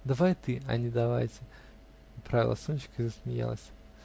-- Давай ты, а не давайте, -- поправила Сонечка и засмеялась.